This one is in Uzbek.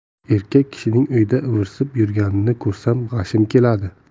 erkak kishining uyda ivirsib yurganini ko'rsam g'ashim keladi